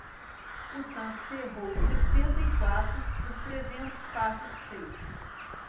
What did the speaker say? o santos errou sessenta e quatro dos trezentos passes feitos